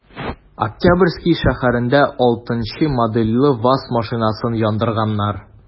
Октябрьский шәһәрендә 6 нчы модельле ваз машинасын яндырганнар.